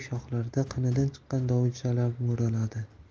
shoxlarida qinidan chiqqan dovuchchalar mo'raladi